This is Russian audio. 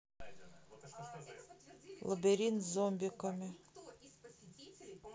лабиринт с зомбоками